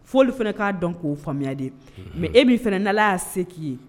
Fɔli fana k'a dɔn k'o faamuyaya de mɛ e min fana na y'a se k'i ye